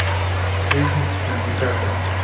жизнь синдиката